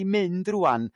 'di mynd rwan.